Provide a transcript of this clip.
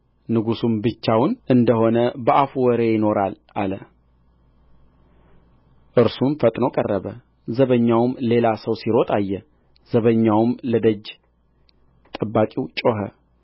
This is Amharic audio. ንጉሡም ብቻውን እንደሆነ በአፉ ወሬ ይኖራል አለ እርሱም ፈጥኖ ቀረበ ዘበኛውም ሌላ ሰው ሲሮጥ አየ ዘበኛውም ለደጅ ጠባቂው ጮኾ